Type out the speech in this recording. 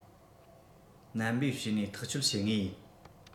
ནན པོས བྱས ནས ཐག གཅོད བྱེད ངོས ཡིན